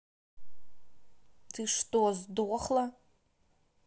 ты что сдохла